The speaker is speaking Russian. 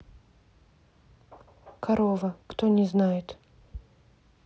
корова кто не знает